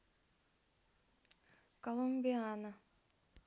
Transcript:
колумбиана